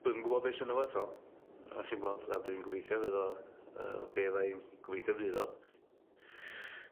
Dwi'm yn gwbo be' sy ynno fo 'to yy chi'n gweld a dwi'n gobeithio fydd o.